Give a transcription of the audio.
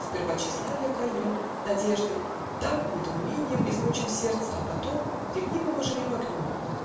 Сперва тщеславие кольнем Надеждой, там недоуменьем Измучим сердце, а потом Ревнивым оживим огнем